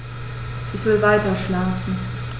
Ich will weiterschlafen.